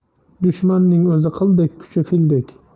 dushmanning o'zi qildek kuchi fildek